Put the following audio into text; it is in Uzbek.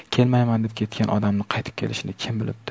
kelmayman deb ketgan odam qaytib kelishini kim bilibdi